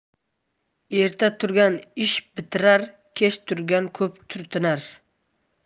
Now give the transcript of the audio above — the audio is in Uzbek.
erta turgan ish bitirar kech turgan ko'p turtinar